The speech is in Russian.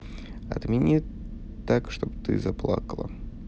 отмени так чтобы ты заплакала